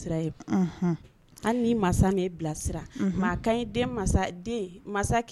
Ye